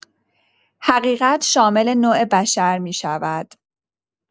حقیقت شامل نوع بشر می‌شود.